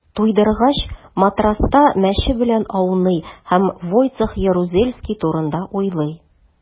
Туйдыргач, матраста мәче белән ауный һәм Войцех Ярузельский турында уйлый.